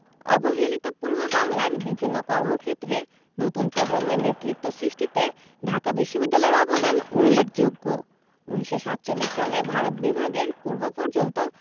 অবহেলিত পূর্ববাংলার বিভিন্ন কর্মক্ষেত্রে নতুন প্রজন্মের নেতৃত্ব সৃষ্টিতে ঢাকা বিশ্ববিদ্যালয়ের অবদান উল্লেখযোগ্য ১৯৪৭ সালে ভারত বিভাগের পূর্বপর্যন্ত